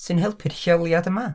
Sy'n helpu'r lleoliad yma.